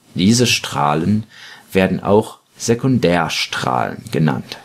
Diese Strahlen werden auch Sekundärstrahlen genannt